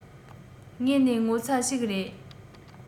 དངོས ནས ངོ ཚ ཞིག རེད